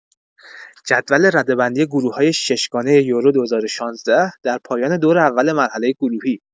جدول رده‌بندی گروه‌های ششگانه یورو ۲۰۱۶ در پایان دور اول مرحله گروهی